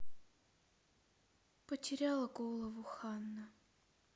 потеряла голову ханна